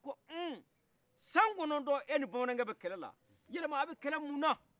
k'o un san kɔnɔntɔn e ni bamanakɛ bɛ kɛlɛla yelima aw bi kɛlɛ muna